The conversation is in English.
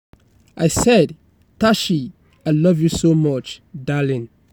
I said, "Tashi, I love you so much, darling.